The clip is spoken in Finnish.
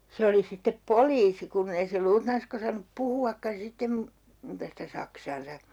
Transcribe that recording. se oli sitten poliisi kun ei se luutnanska osannut puhuakaan sitten - muuta sitä saksaansa